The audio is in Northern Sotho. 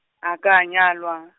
a ka a nyalwa.